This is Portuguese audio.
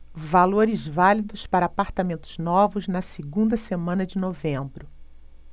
valores válidos para apartamentos novos na segunda semana de novembro